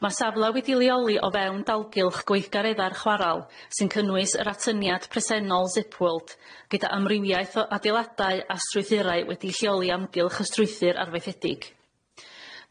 Ma'r safla wedi leoli o fewn dalgylch gweithgareddar chwaral sy'n cynnwys yr atyniad presennol sipwold gyda amrywiaeth o adeiladau a strwythurau wedi'i lleoli o amgylch y strwythur arfaethedig.